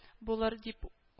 Булыр дип